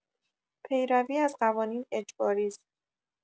پیروی از قوانین اجباریست